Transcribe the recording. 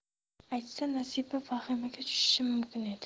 aytsa nasiba vahimaga tushishi mumkin edi